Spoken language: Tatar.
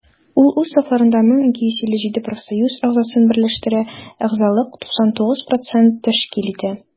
Ул үз сафларында 1257 профсоюз әгъзасын берләштерә, әгъзалык 99 % тәшкил итә.